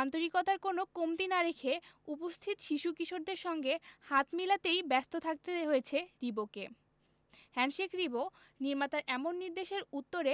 আন্তরিকতার কোনো কমতি না রেখে উপস্থিত শিশু কিশোরদের সঙ্গে হাত মেলাতেই ব্যস্ত থাকতে হয়েছে রিবোকে হ্যান্ডশেক রিবো নির্মাতার এমন নির্দেশের উত্তরে